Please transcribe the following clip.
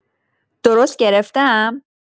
درست گرفته‌ام؟!